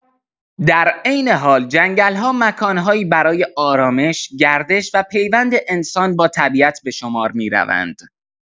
در عین حال جنگل‌ها مکان‌هایی برای آرامش، گردش و پیوند انسان با طبیعت به شمار می‌روند.